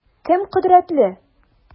Кем кодрәтле?